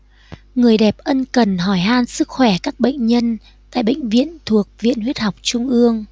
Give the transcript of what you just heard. người đẹp ân cần hỏi han sức khỏe các bệnh nhân tại bệnh viện thuộc viện huyết học trung ương